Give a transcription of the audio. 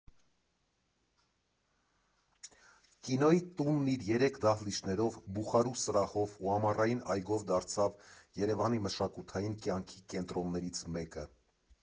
Կինոյի տունն իր երեք դահլիճներով, Բուխարու սրահով ու ամառային այգով դարձավ Երևանի մշակութային կյանքի կենտրոններից մեկը.